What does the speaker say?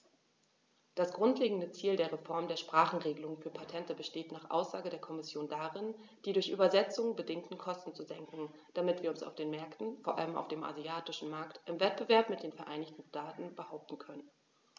Das grundlegende Ziel der Reform der Sprachenregelung für Patente besteht nach Aussage der Kommission darin, die durch Übersetzungen bedingten Kosten zu senken, damit wir uns auf den Märkten, vor allem auf dem asiatischen Markt, im Wettbewerb mit den Vereinigten Staaten behaupten können.